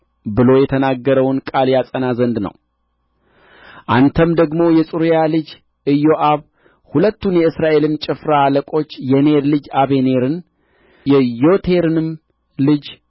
ብሎ የተናገረውን ቃል ያጸና ዘንድ ነው አንተም ደግሞ የጽሩያ ልጅ ኢዮአብ ሁለቱን የእስራኤልን ጭፍራ አለቆች የኔር ልጅ አበኔርን የዬቴሩንም ልጅ